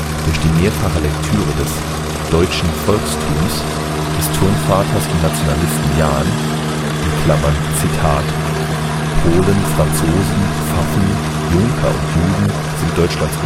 durch die mehrfache Lektüre des Deutschen Volkstums des Turnvaters und Nationalisten Jahn (Zitat: Polen, Franzosen, Pfaffen, Junker und Juden sind Deutschlands